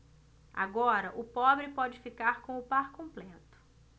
agora o pobre pode ficar com o par completo